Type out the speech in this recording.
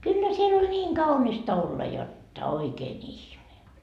kyllä siellä oli niin kaunista olla jotta oikein ihme